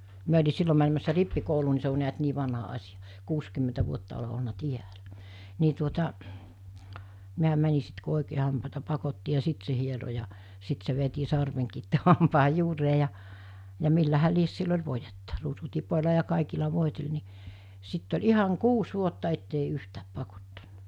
minä oli silloin menemässä rippikouluun niin se on näet niin vanha asia kuusikymmentä vuotta olen ollut täällä niin tuota minä menin sitten kun oikein hampaita pakotti ja sitten se hieroi ja sitten se veti sarvenkin tuohon hampaan juureen ja ja millähän lie sillä oli voidetta ruusutipoilla ja kaikilla voiteli niin sitten oli ihan kuusi vuotta että ei yhtään pakottanut